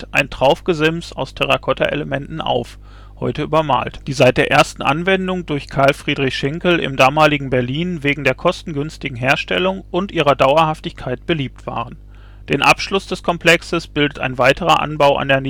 ein Traufgesims aus Terrakotta-Elementen auf (heute übermalt), die seit der ersten Anwendung durch Karl Friedrich Schinkel im damaligen Berlin wegen der kostengünstigen Herstellung und ihrer Dauerhaftigkeit beliebt waren. Den Abschluss des Komplexes bildet ein weiterer Anbau an der